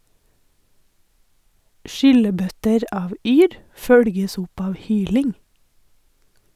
Skyllebøtter av yr følges opp av hyling.